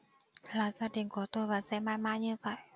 là gia đình của tôi và sẽ mãi mãi như vậy